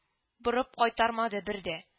Борып кайтармады бер дә